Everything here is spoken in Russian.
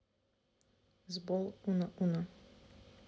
сбол уно уно